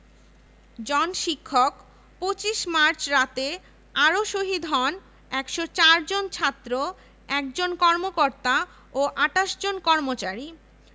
১৯৭১ সালের ২ মার্চ কেন্দ্রীয় ছাত্র সংগ্রাম পরিষদ ঢাকা বিশ্ববিদ্যালয় কলাভবনের পশ্চিমগেটের দোতলার ছাদের উপর প্রথম স্বাধীন বাংলার পতাকা উত্তোলন করে